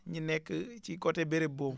ñi nekk ci côté béréb boobu